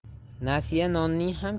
nasiya nonning ham